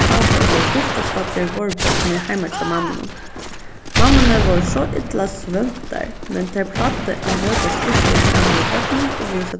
pápar vóru burturstaddir vóru børnini heima hjá mammunum mammurnar vóru so illa svøvntar men tær plagdu at møtast týsdagar saman við børnunum og vísa